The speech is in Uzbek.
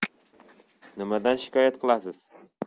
nimadan shikoyat qilasiz